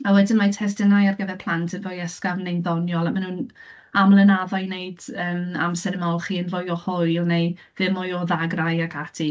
A wedyn, mae testunau ar gyfer plant yn fwy ysgafn neu'n ddoniol, a maen nhw'n aml yn addo i wneud, yym, amser ymolchi yn fwy o hwyl neu ddim mwy o ddagrau ac ati.